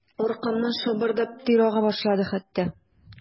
Аркамнан шабырдап тир ага башлады хәтта.